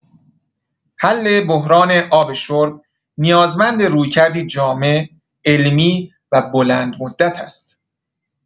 حل بحران آب شرب نیازمند رویکردی جامع، علمی و بلندمدت است.